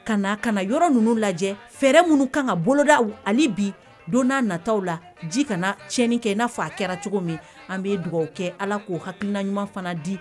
Ka kana , ka na yɔrɔ ninnu lajɛ fɛɛrɛ min ka kan ka boloda halibi don na nataw la ji kana tiɲɛn kɛ na fɔ a kɛra cogo min . An bi dugawu kɛ ala ko hakilina ɲuman fana di